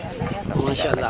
Masala yaasam ta gar